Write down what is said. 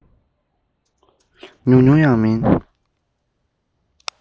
ཉུང ཉུང ཡང མིན